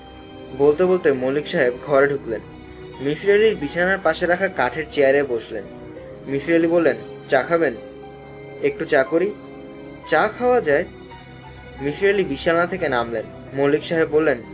বলতে বলতে মল্লিক সাহেব ঘরে ঢুকলেন মিসির আলির বিছানার পাশে রাখা কাঠের চেয়ারে বসলেন মিসির আলি বললেন চা খাবেন একটু চা করি চা খাওয়া যায় মিসির আলি বিছানা থেকে নামলেন মল্লিক সাহেব বললেন